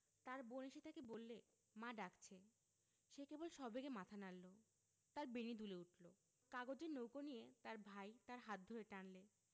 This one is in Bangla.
তার বোন এসে তাকে বললে মা ডাকছে সে কেবল সবেগে মাথা নাড়ল তার বেণী দুলে উঠল কাগজের নৌকো নিয়ে তার ভাই তার হাত ধরে টানলে